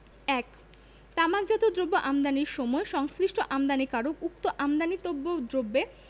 ১ তামাকজাত দ্রব্য আমদানির সময় সংশ্লিষ্ট আমদানিকারক উক্ত আমদানিতব্য দ্রব্যে